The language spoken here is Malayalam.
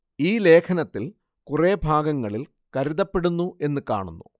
ഈ ലേഖനത്തിൽ കുറെ ഭാഗങ്ങളിൽ കരുതപ്പെടുന്നു എന്ന് കാണുന്നു